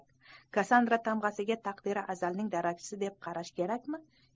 kassandra tamg'asiga taqdiri azalning darakchisi deb qarash kerakmi